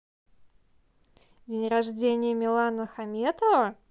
день рождения милана хаметова